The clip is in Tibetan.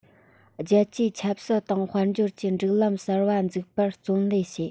རྒྱལ སྤྱིའི ཆབ སྲིད དང དཔལ འབྱོར གྱི སྒྲིག ལམ གསར པ འཛུགས པར བརྩོན ལེན བྱས